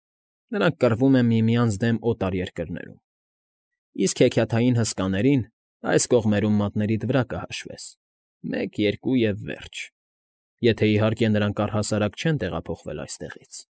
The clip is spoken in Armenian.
Նրանք կռվում են միմյանց դեմ օտար երկրներում, իսկ հեքիաթային հսկաներին այս կողմերում մատներիդ վրա կհաշվես՝ մեկ, երկու և վերջ, եթե, իհարկե, նրանք առհասարակ չեն տեղափոխվել այստեղից։